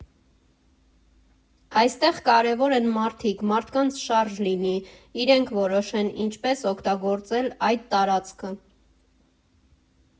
Այստեղ կարևոր են մարդիկ՝ մարդկանց շարժ լինի, իրենք որոշեն ինչպես օգտագործել այդ տարածքը։